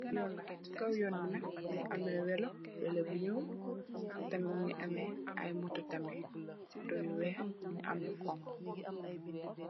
Yonla, ci kaw yon bi nak, mungi am welo, welo bu nyul, tamit mungii ameh ai moto tamit, moto yu weex mu am lu khonhu.